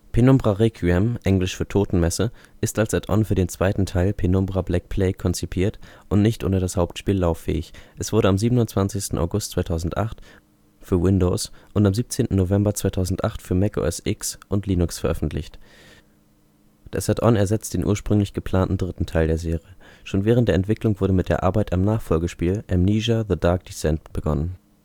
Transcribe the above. Penumbra: Requiem (für „ Totenmesse “) ist als Add-on für den zweiten Teil Penumbra: Black Plague konzipiert und nicht ohne das Hauptspiel lauffähig. Es wurde am 27. August 2008 für Windows und am 17. November 2008 für Mac OS X und Linux veröffentlicht. Das Add-on ersetzt den ursprünglich geplanten dritten Teil der Serie. Schon während der Entwicklung wurde mit der Arbeit am Nachfolgespiel Amnesia: The Dark Descent begonnen